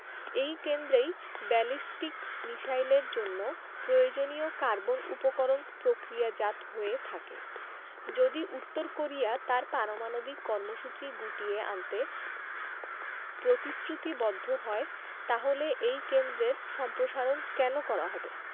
এই কেন্দ্রেই ব্যালিস্টিক মিসাইলের জন্য প্রয়োজনীয় কার্বন উপকরণ প্রক্রিয়াজাত হয়ে থাকে যদি উত্তর কোরিয়া তার পারমাণবিক কর্মসূচি গুটিয়ে আনতে প্রতিশ্রুতিবদ্ধ হয় তাহলে এই কেন্দ্রের সম্প্রসারণ কেন করা হবে